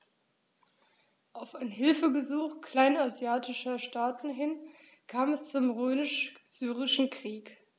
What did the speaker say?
Auf ein Hilfegesuch kleinasiatischer Staaten hin kam es zum Römisch-Syrischen Krieg.